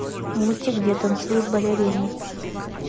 мультик где танцуют балерины